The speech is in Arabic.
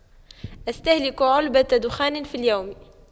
استهلك علبة دخان في اليوم